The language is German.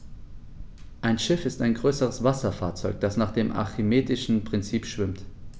Ein Schiff ist ein größeres Wasserfahrzeug, das nach dem archimedischen Prinzip schwimmt.